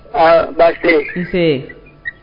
A ba tɛ un